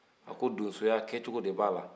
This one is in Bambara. a ko donsoya kɛcogo de b'a la